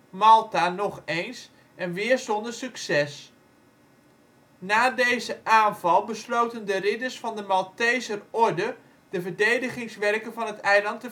Malta nog eens en weer zonder succes. Na deze aanval besloten de ridders van de Maltezer Orde de verdedigingswerken van het eiland